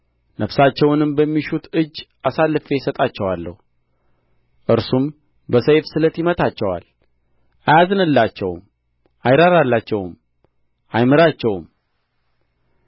ነፍሳቸውንም በሚሹት እጅ አሳልፌ እሰጣቸዋለሁ እርሱም በሰይፍ ስለት ይመታቸዋል አያዝንላቸውም አይራራላቸውም አይምራቸውም